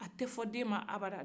a tɛ fɔ den ma abada